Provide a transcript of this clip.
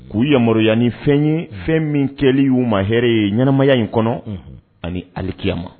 K uu yaruyaya ni fɛn ye fɛn min kɛli y uu ma hɛrɛ ye ɲɛnɛmaya in kɔnɔ ani alikiyama